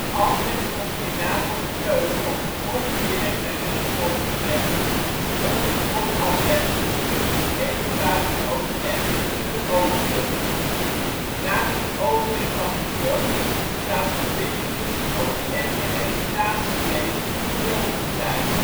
Albrecht stond hierna voor de keuze om òf direct naar Nieuwpoort te trekken òf het fort Albertus, even buiten Oostende, te veroveren. Na de verovering van het fort zou de verbinding tussen Oostende en het Staatse leger verbroken zijn